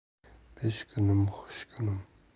besh kunim xush kunim